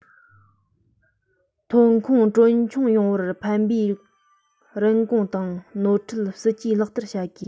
ཐོན ཁུངས གྲོན ཆུང ཡོང བར ཕན པའི རིན གོང དང ནོར ཁྲལ སྲིད ཇུས ལག བསྟར བྱ དགོས